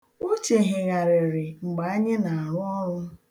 Uche hegharịrị mgbe anyị na-arụ ọrụ.